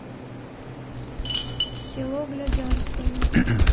село глядянское